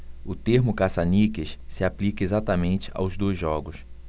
o termo caça-níqueis se aplica exatamente aos dois jogos